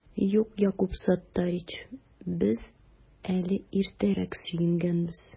Юк, Якуб Саттарич, без әле иртәрәк сөенгәнбез